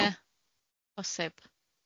Ia, bosib.